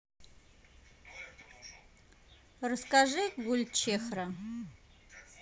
расскажи гульчехра